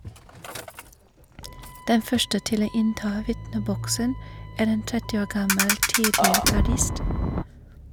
Den første til å innta vitneboksen er en 30 år gammel tidligere gardist.